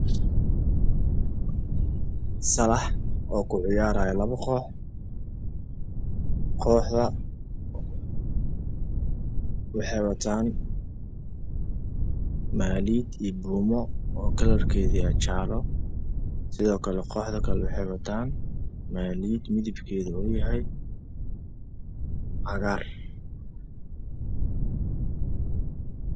Salax ku ciyaarayaan labo koox